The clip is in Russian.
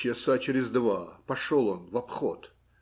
Часа через два пошел он в обход.